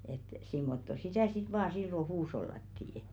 että sillä lailla sitä sitten vain silloin huushollattiin